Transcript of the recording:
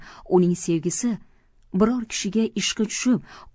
uning sevgisi biror kishiga ishqi tushib